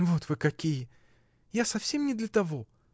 — Вот вы какие: я совсем не для того!